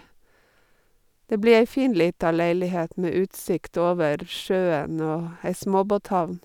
Det blir ei fin lita leilighet med utsikt over sjøen og ei småbåthavn.